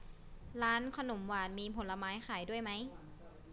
ร้านขนมหวานมีผลไม้ขายด้วยไหม